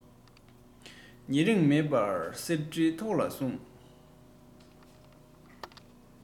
ཉེ རིང མེད པར གསེར ཁྲིའི ཐོགས ནས བཟུང